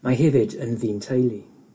Mae hefyd yn ddyn teulu.